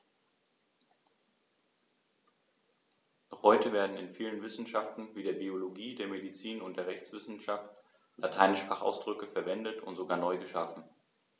Noch heute werden in vielen Wissenschaften wie der Biologie, der Medizin und der Rechtswissenschaft lateinische Fachausdrücke verwendet und sogar neu geschaffen.